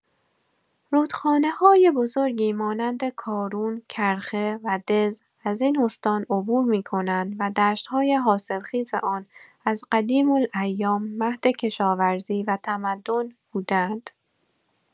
رودخانه‌های بزرگی مانند کارون، کرخه و دز از این استان عبور می‌کنند و دشت‌های حاصلخیز آن از قدیم‌الایام مهد کشاورزی و تمدن بوده‌اند.